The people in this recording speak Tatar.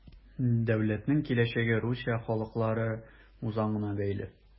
Дәүләтнең киләчәге Русия халыклары үзаңына бәйле.